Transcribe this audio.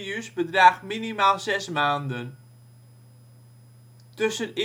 's bedraagt minimaal zes maanden. Tussen